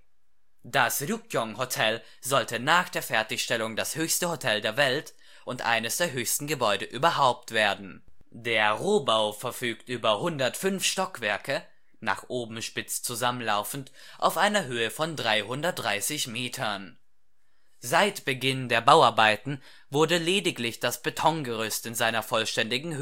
Das Ryugyŏng Hot'el sollte nach Fertigstellung das höchste Hotel der Welt und eines der höchsten Gebäude überhaupt werden. Der Rohbau verfügt über 105 Stockwerke (nach oben spitz zusammenlaufend) auf einer Höhe von 330 Metern. Seit Beginn der Bauarbeiten wurde lediglich das Betongerüst in seiner vollständigen